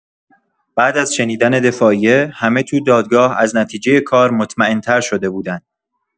بعد از شنیدن دفاعیه، همه تو دادگاه از نتیجه کار مطمئن‌تر شده بودن.